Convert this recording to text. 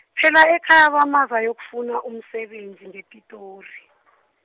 phela ekhaya bamazi ayokufuna umsebenzi ngePitori .